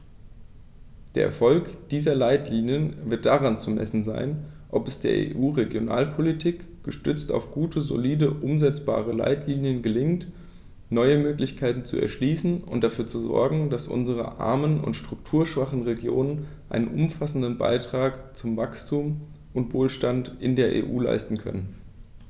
Der Erfolg dieser Leitlinien wird daran zu messen sein, ob es der EU-Regionalpolitik, gestützt auf gute, solide und umsetzbare Leitlinien, gelingt, neue Möglichkeiten zu erschließen und dafür zu sorgen, dass unsere armen und strukturschwachen Regionen einen umfassenden Beitrag zu Wachstum und Wohlstand in der EU leisten können.